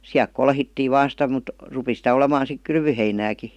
siellä kolhittiin vain sitä mutta rupesi sitä olemaan sitten kylvöheinääkin